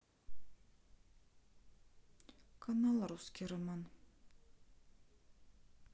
канал русский роман